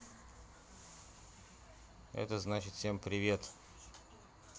это значит всем привет